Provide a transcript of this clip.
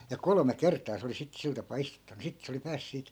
ja kolme kertaa se oli sitten sillä tapaa istuttanut sitten se oli pääsi siitä